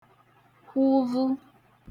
kwuvu